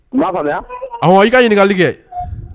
A i ka ɲininkali kɛ